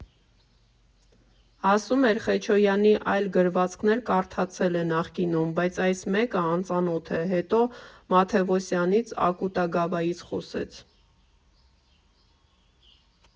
Ասում էր՝ Խեչոյանի այլ գրվածքներ կարդացել է նախկինում, բայց այս մեկը անծանոթ է, հետո Մաթևոսյանից, Ակուտագավայից խոսեց։